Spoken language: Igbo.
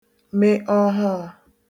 me ọhọọ̀